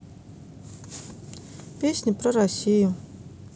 песни про россию